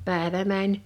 päivä meni